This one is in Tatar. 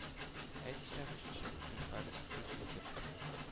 Әйтсәгезче, зинһар, үз итеп,